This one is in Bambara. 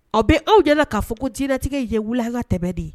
A bɛ aw ɲɛna k'a fɔ ko diɲɛlatigɛ in ye wuli an ka tɛmɛn de ye